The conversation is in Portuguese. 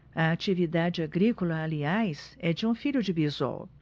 a atividade agrícola aliás é de um filho de bisol